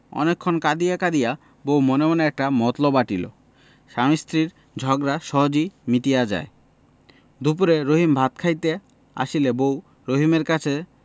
অনেকক্ষণ কাঁদিয়া কাঁদিয়া বউ মনে মনে একটি মতলব আঁটিল স্বামী স্ত্রীর ঝগড়া সহজেই মিটিয়া যায় দুপুরে রহিম ভাত খাইতে আসিলে বউ রহিমের কাছে